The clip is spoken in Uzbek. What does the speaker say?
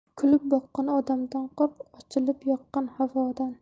kulib boqqan odamdan qo'rq ochilib yoqqan havodan